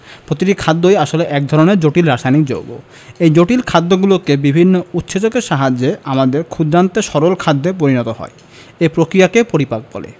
প্রতিটি খাদ্যই আসলে এক ধরনের জটিল রাসায়নিক যৌগ এই জটিল খাদ্যগুলো বিভিন্ন উৎসেচকের সাহায্যে আমাদের ক্ষুদ্রান্তে সরল খাদ্যে পরিণত হয় এই প্রক্রিয়াকে পরিপাক বলে